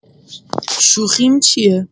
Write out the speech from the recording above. شوخیم چیه؟